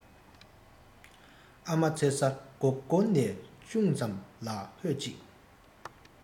ཨ མ མཚེར ས སྒོར སྒོར ནས ཅུང ཙམ ལ ཧོད ཅིག